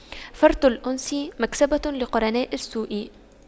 فرط الأنس مكسبة لقرناء السوء